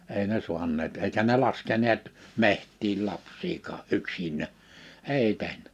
ei ne saaneet eikä ne laskeneet metsiin lapsiakaan yksinään ei tehnyt